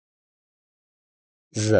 Զ։